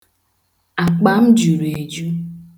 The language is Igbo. Akpa m juru eju.